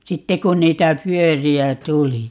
sitten kun niitä pyöriä tuli